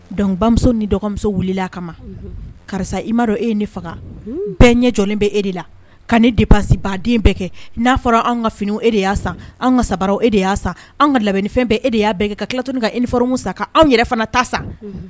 Dɔnkubamuso ni dɔgɔmuso wulila a kama karisa i maa e ye ne faga bɛɛ ɲɛ jɔnlen bɛ e de la ka ne de basi baden bɛɛ kɛ n'a fɔra an ka finiini e de y'a san an ka sabara e de y'a san an ka labɛnin fɛn bɛɛ e de y'a bɛ kɛ ka tilat ka ni fɔlɔmu san anw yɛrɛ fana ta sa